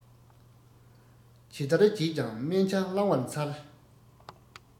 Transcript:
ཇི ལྟར བགྱིས ཀྱང དམན ཆ བླང བར འཚལ